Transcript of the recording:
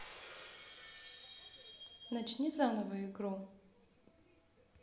начни заново игру